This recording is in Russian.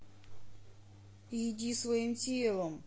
иди своим телом